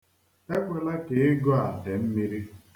Ekwela ka ego a dee mmiri.